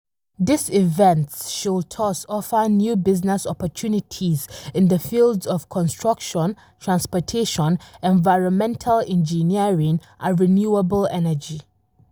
These events should thus offer new business opportunities in the fields of construction, transportation, environmental engineering, and renewable energy.